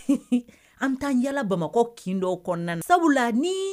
An taaan yalala bamakɔ kin dɔ kɔnɔna sabula ni